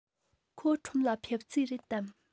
ཁོ ཁྲོམ ལ ཕེབས རྩིས རེད དམ